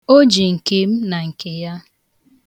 O ji nke m na nke ya